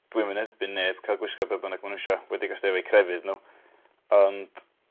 Dwi'm yn erbyn neb ca'l gwisgo be' bynnag ma' n#w isio. Wedig os 'di efo'u crefydd n'w ond